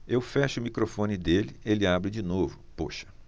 eu fecho o microfone dele ele abre de novo poxa